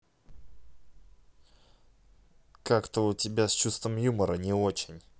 как то у тебя с чувством юмора не очень